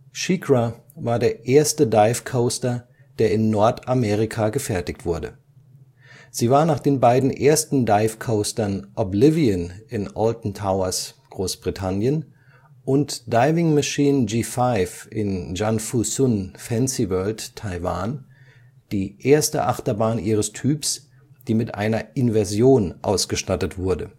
SheiKra war der erste Dive Coaster, der in Nordamerika gefertigt wurde. Sie war nach den beiden ersten Dive Coastern Oblivion in Alton Towers (UK) und Diving Machine G5 in Janfusun Fancyworld (Taiwan) die erste Achterbahn ihres Typs, die mit einer Inversion ausgestattet wurde